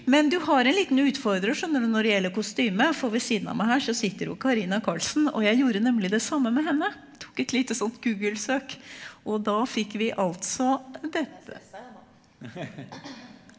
men du har en liten utfordrer skjønner du når det gjelder kostyme, for ved siden av meg her så sitter jo Carina Carlsen og jeg gjorde nemlig det samme med henne tok et lite sånt Google-søk og da fikk vi altså dette.